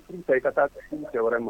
N tɛ ka taa cɛ wɛrɛ ma